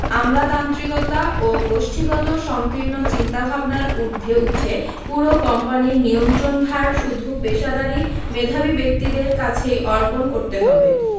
আমলাতান্ত্রিকতা ও গোষ্ঠীগত সংকীর্ণ চিন্তাভাবনার ঊর্ধ্বে উঠে পুরো কোম্পানির নিয়ন্ত্রণভার শুধু পেশাদারি মেধাবী ব্যক্তিদের কাছেই অর্পণ করতে হবে